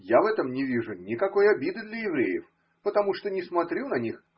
Я в этом не вижу никакой обиды для евреев, потому что не смотрю на них.